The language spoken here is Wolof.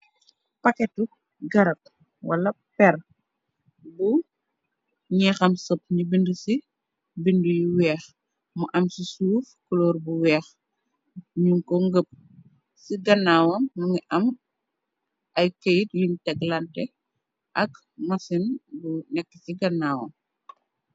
Paketu garab wala per bu nyexam sob ñu bede ci bede yu weex mu am ci suuf koloor bu weex ñu ko ngëpp ci gannaawam mu ngi am ay keyit yuñ teklante ak masin bu nekk ci gannaawam.